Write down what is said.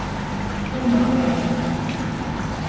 túnagøta